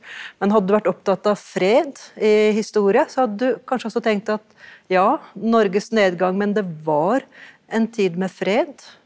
men hadde du vært opptatt av fred i historie så hadde du kanskje også tenkt at ja, Norges nedgang, men det var en tid med fred.